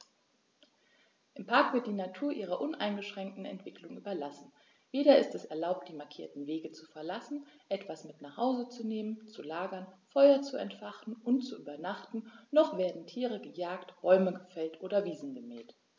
Im Park wird die Natur ihrer uneingeschränkten Entwicklung überlassen; weder ist es erlaubt, die markierten Wege zu verlassen, etwas mit nach Hause zu nehmen, zu lagern, Feuer zu entfachen und zu übernachten, noch werden Tiere gejagt, Bäume gefällt oder Wiesen gemäht.